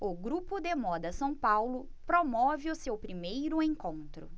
o grupo de moda são paulo promove o seu primeiro encontro